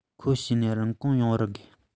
ཁོ བྱས ནས རིན གོང ཡོང བའི དགོས